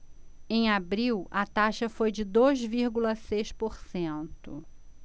em abril a taxa foi de dois vírgula seis por cento